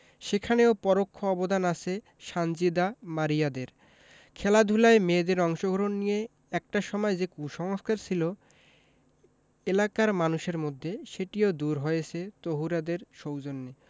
সেখানেও পরোক্ষ অবদান আছে সানজিদা মারিয়াদের খেলাধুলায় মেয়েদের অংশগ্রহণ নিয়ে একটা সময় যে কুসংস্কার ছিল এলাকার মানুষের মধ্যে সেটিও দূর হয়েছে তহুরাদের সৌজন্যে